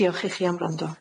Diolch i chi am wrando.